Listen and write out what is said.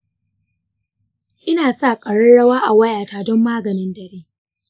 ina sa ƙararrawa a wayata don maganin dare.